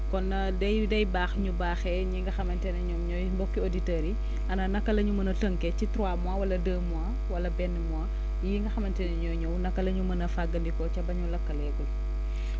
kon day day baax ñu baaxee ñi nga xamante ne ñoom ñooy mbokki auditeurs yi ana naka la ñu mën a tënkee ci trois mois wala deux mois wala benn mois yii nga xamante ne ñooy ñëw naka la ñu mën a fangandikoo ca ba ñu lakkleegul